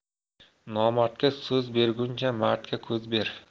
nomardga so'z berguncha mardga ko'z ber